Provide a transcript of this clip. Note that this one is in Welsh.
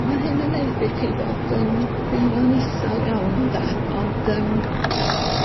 Ma' hyn yn neud i chi fod yn deimlo'n isal iawn ynde ond yym